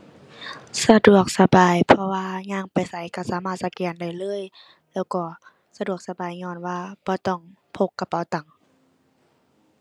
สะดวกสบายเพราะว่า ย่างไปไสก็สามารถสแกนได้เลย แล้วก็สะดวกสบายญ้อนว่าบ่ต้องพกกระเป๋าตัง